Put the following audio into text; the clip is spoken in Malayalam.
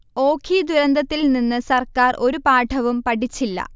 ഓഖി ദുരന്തത്തിൽ നിന്ന് സർക്കാർ ഒരു പാഠവും പടിച്ചില്ല